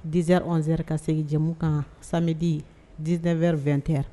Diz zɛeri ka segin jamu kan sadi dd wɛrɛru2te